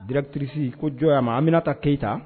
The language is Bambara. Dpterisi ko jɔn ma an bɛna ta keyita